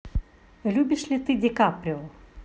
любишь ли ты ди каприо